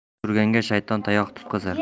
tek turganga shayton tayoq tutqazar